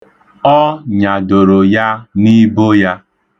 Ọ nyadoro ya n'ibo ya.